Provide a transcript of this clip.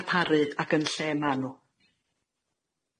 darparu ac yn lle ma' n'w.